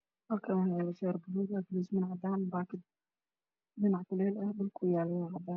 Halkaan waxaa ka muuqda shaati madaw kaluuskiisana waa cadaan waxaana ku dhegan war qad background kana waa cadaan